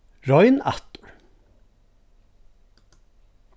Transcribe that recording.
royn aftur